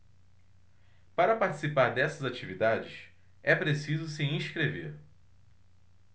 para participar dessas atividades é preciso se inscrever